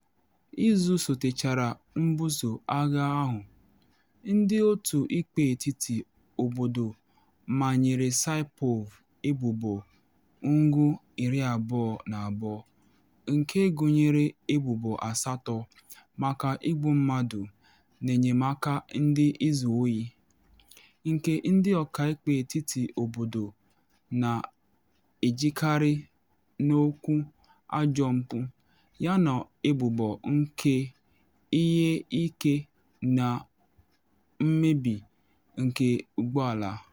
Izu sotechara mbuso agha ahụ, ndị otu ikpe etiti obodo manyere Saipov ebubo ngụ-22 nke gụnyere ebubo asatọ maka igbu mmadụ n’enyemaka nke izu oyi, nke ndị ọkaikpe etiti obodo na ejikarị n’okwu ajọ mpu, yana ebubo nke ihe ike na mmebi nke ụgbọ ala.